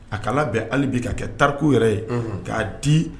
A ka labɛn hali bi ka kɛ tariku yɛrɛ ye k'a di